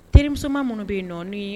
Terimusoma minnu bɛ yen nɔ